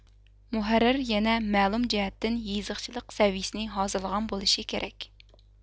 مۇھەررىر يەنە مەلۇم جەھەتتىن يېزىقچىلىق سەۋىيىسىنى ھازىرلىغان بولۇشى كېرەك